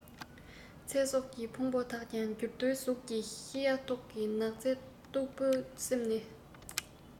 ཚེ སྲོག གི ཕུང པོ དག ཀྱང འགྱུར རྡོའི གཟུགས ཀྱིས ཤི ཡ ཐོག གི ནགས ཚལ སྟུག པོའི གསེབ ནས